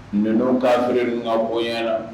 Mais don k'a bere ka bonya la